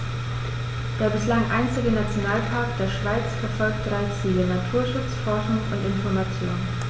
Der bislang einzige Nationalpark der Schweiz verfolgt drei Ziele: Naturschutz, Forschung und Information.